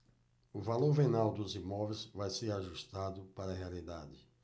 o valor venal dos imóveis vai ser ajustado para a realidade